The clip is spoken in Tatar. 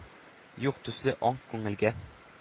Юк төсле ак күңелгә...